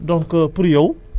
deux mille onze ba léegi mu ngi fii